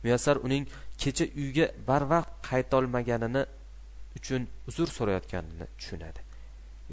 muyassar uning kecha uyga barvaqt qaytolmagani uchun uzr so'rayotganini tushunadi